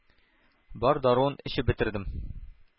Бар даруын эчеп бетердем.